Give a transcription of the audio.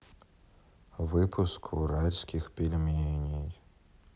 выпуск уральских пельменей